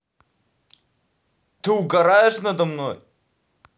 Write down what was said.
ты угораешь надо мной